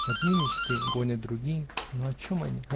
одни мечты гонят другие, -- но о чем они?